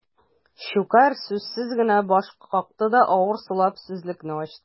Щукарь сүзсез генә баш какты да, авыр сулап сүзлекне ачты.